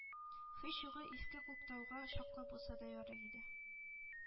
Һич югы Иске Күктауга чаклы булса да ярый инде.